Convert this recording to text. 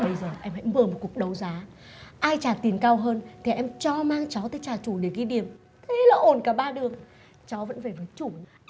bây giờ em hãy mở một cuộc đấu giá ai ai trả tiền cao hơn thì em cho mang cho tới trả chủ để ghi điểm thế là ổn cả ba đường chó vẫn về với chủ